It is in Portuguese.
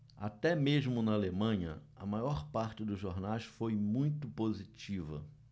até mesmo na alemanha a maior parte dos jornais foi muito positiva